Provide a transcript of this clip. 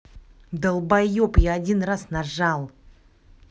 долбоеб я один раз нажал